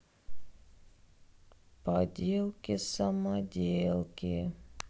поделки самоделки